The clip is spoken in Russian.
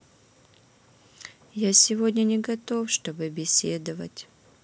я сегодня не готов чтобы беседовать